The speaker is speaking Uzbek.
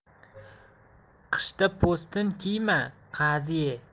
qishda po'stin kiyma qazi ye